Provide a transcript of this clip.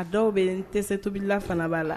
A dɔw bɛ tɛsɛ tobilila fana b' la